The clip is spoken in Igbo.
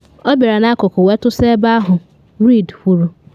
“Ọ bịara n’akụkụ wee tụsa ebe ahụ, “Reed kwuru.